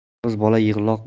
yolg'iz bola yig'loq